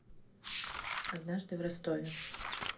однажды в ростове